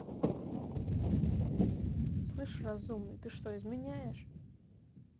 слышь разумный ты что изменяешь